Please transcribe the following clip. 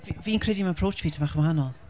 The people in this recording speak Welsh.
Fi- fi'n credu mae approach fi tipyn bach yn wahanol.